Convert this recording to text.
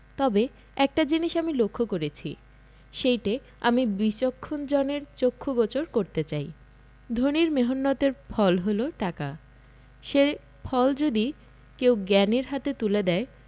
তবে একটা জিনিস আমি লক্ষ করেছি সেইটে আমি বিচক্ষণ জনের চক্ষু গোচর করতে চাই ধনীর মেহন্নতের ফল হল টাকা সে ফল যদি কেউ জ্ঞানীর হাতে তুলে দেয়